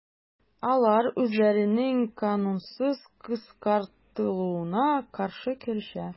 Алар үзләренең канунсыз кыскартылуына каршы көрәшә.